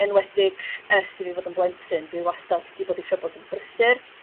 Enwedig ers i fi fod yn blentyn dwi wastad 'di bod isio bod yn brysur.